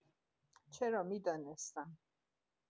چرا، می‌دانستم.